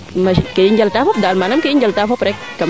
kee i njala ta fop daal manaam ke i njaltaa fop rek